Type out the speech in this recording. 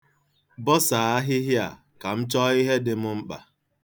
Bọsaa ahịhịa a ka m chọọ ihe dị m mkpa.